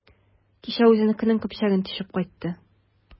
Кичә үзенекенең көпчәген тишеп кайтты.